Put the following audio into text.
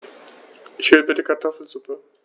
Ich will bitte Kartoffelsuppe.